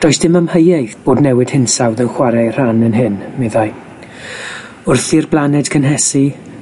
Does dim amheuaeth bod newid hinsawdd yn chwarae rhan yn hyn, meddai, wrth i'r blaned cynhesu